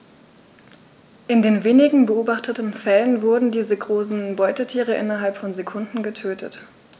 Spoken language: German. In den wenigen beobachteten Fällen wurden diese großen Beutetiere innerhalb von Sekunden getötet.